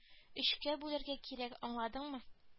Өчкә бүләргә кирәк аңладыңмы